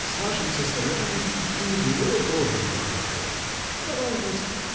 с нашим состоянием и не двое прожили бы хорошо. Наружность?